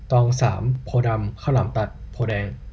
ตองสามโพธิ์ดำข้าวหลามตัดโพธิ์แดง